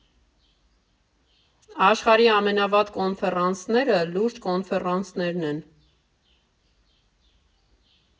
Աշխարհի ամենավատ կոնֆերանսները լուրջ կոնֆերանսներն են։